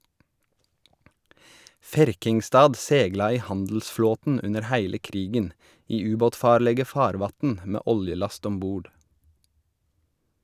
Ferkingstad segla i handelsflåten under heile krigen, i ubåtfarlege farvatn , med oljelast om bord.